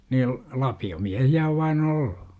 niin lapiomiehiä on vain ollut